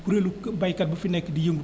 kuréelu baykat bu fi nekk di yëngu